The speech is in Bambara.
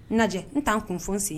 Lajɛ n t'an kun fɔ n sen